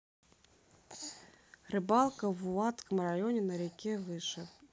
рыбалка в уватском районе на реке выше